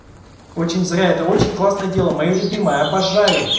очень зря это очень классное дело мое любимое обожаю